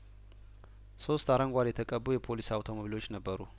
ሶስት አረንጓዴ የተቀቡ የፖሊስ አውቶሞቢሎች ነበሩ